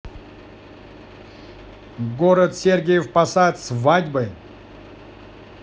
город сергиев посад свадьбы